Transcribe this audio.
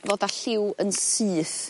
ddod â lliw yn syth